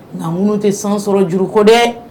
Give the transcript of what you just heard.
Ŋa ŋunu te san sɔrɔ juru ko dɛ